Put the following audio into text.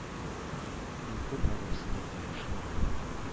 Мин күрмәдем синдә кояш нурын,